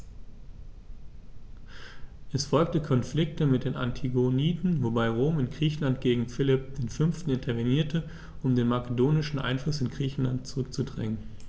Es folgten Konflikte mit den Antigoniden, wobei Rom in Griechenland gegen Philipp V. intervenierte, um den makedonischen Einfluss in Griechenland zurückzudrängen.